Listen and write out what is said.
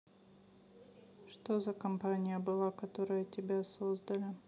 что за компания была которая тебя создали